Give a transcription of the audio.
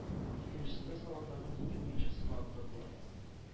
Икенчесендә словакларның ике уенчысына оттырдылар.